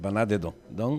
Bana de dɔn 'dɔn _